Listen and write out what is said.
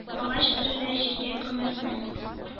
Палач тереләй җиргә күммәсен!..